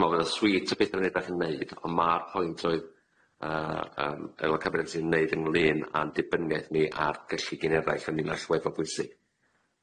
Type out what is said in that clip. So ma yn neud on' ma'r pwynt oedd yy yym aelod cabinet yn neud ynglyn a'n dibyniaeth ni ar gyllid gan eraill yn un allweddol bwysig.